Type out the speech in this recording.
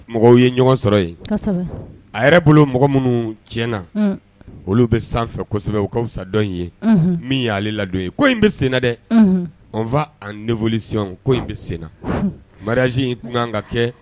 Mɔgɔw ye ɲɔgɔn sɔrɔ ye a yɛrɛ bolo mɔgɔ minnu ti na olu bɛ sanfɛsɛbɛkaw sasadɔn ye min y'ale ladon ye ko in bɛ sen dɛ n fa ani neolisi ko in bɛ sen mariaz in tun ka kɛ